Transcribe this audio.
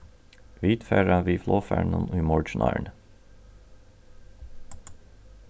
vit fara við flogfarinum í morgin árini